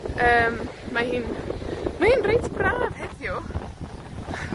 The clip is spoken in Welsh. Yym, mae hi'n, mae hi'n reit braf heddiw.